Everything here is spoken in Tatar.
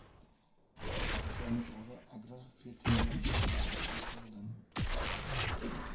Кукилометрара аграр көллиятендә чыгарылыш кичәсе булды